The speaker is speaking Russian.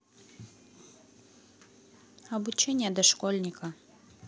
обучение дошкольника